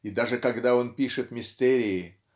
И даже когда он пишет мистерии